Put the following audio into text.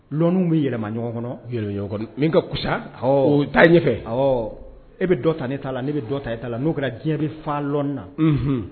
Dɔnw bɛ yɛlɛma ɲɔgɔn min ka kusa ta ɲɛfɛ e bɛ dɔ ta ne ta la ne bɛ ta e ta la n'o kɛra diɲɛ bɛ fa na